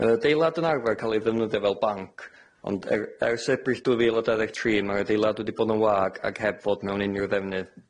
Ma'r adeilad yn arfer cal ei ddefnyddio fel banc ond er ers Ebrill dwy fil a dau ddeg tri ma'r adeilad wedi bod yn wag ag heb fod mewn unryw ddefnydd.